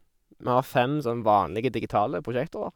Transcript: Vi har fem sånn vanlige digitale prosjektorer.